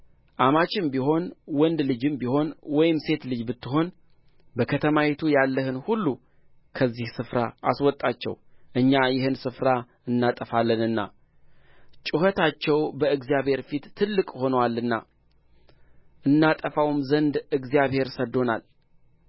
አማችም ቢሆን ወንድ ልጅም ቢሆን ወይም ሴት ልጅ ብትሆን በከተማይቱ ያለህን ሁሉ ከዚህ ስፍራ አስወጣቸው እኛ ይህን ስፍራ እናጠፋለንና ጩኸታቸው በእግዚአብሔር ፊት ትልቅ ሆኖአልና እናጠፋውም ዘንድ እግዚአብሔር ሰድዶናል